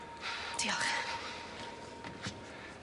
Diolch.Na'i